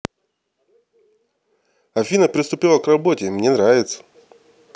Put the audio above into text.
афина приступила к работе мне нравится